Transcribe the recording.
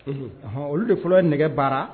Ɔn olu de fɔlɔ ye nɛgɛ baara